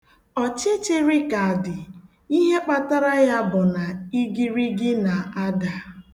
Ọchịchịrị ka dị, ihe kpatara ya bụ na igirigi na-ada.